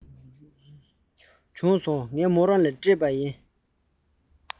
བྱུང སོང ངས མོ རང ལ སྤྲད པ ཡིན